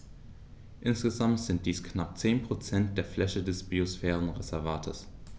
Insgesamt sind dies knapp 10 % der Fläche des Biosphärenreservates.